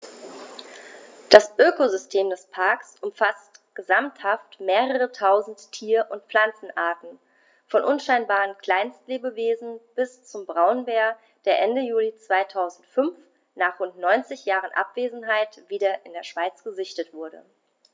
Das Ökosystem des Parks umfasst gesamthaft mehrere tausend Tier- und Pflanzenarten, von unscheinbaren Kleinstlebewesen bis zum Braunbär, der Ende Juli 2005, nach rund 90 Jahren Abwesenheit, wieder in der Schweiz gesichtet wurde.